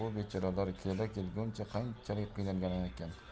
bu bechoralar kela kelguncha qanchalik qiynalganikin